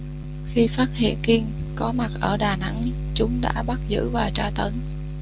khi phát hiện kiên có mặt ở đà nẵng chúng đã bắt giữ và tra tấn